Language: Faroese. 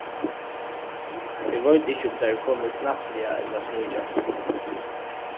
eg veit ikki um tað er komið knappliga ella sníkjandi